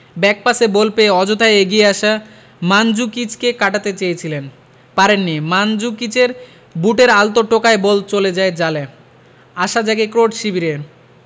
ব্যাকপাসে বল পেয়ে অযথা এগিয়ে আসা মানজুকিচকে কাটাতে চেয়েছিলেন পারেননি মানজুকিচের বুটের আলতো টোকায় বল চলে যায় জালে আশা জাগে ক্রোট শিবিরে